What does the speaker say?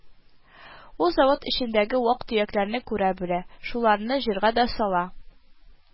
Ул завод эчендәге вак-төякләрне күрә белә, шуларны җырга да сала